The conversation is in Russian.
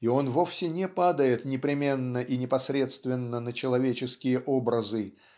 и он вовсе не падает непременно и непосредственно на человеческие образы